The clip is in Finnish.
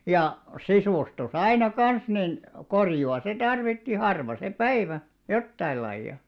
ja sisustus aina kanssa niin korjausta se tarvitsi harva se päivä jotain lajia